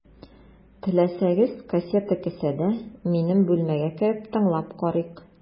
Теләсәгез, кассета кесәдә, минем бүлмәгә кереп, тыңлап карыйк.